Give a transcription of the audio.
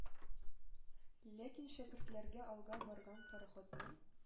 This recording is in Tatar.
Ләкин шәкертләргә алга барган пароходның